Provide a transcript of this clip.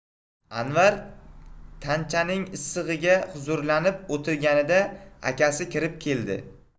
anvar tanchaning issig'ida huzurlanib o'tirganida akasi kirib keldi